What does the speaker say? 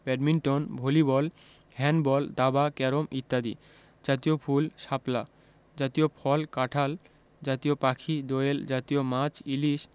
badminton volleyball handball দাবা carrom ইত্যাদি জাতীয় ফুলঃ শাপলা জাতীয় ফলঃ কাঁঠাল জাতীয় পাখিঃ দোয়েল জাতীয় মাছঃ ইলিশ